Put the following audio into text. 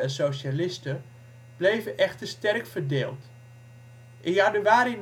socialisten, bleven echter sterk verdeeld. In januari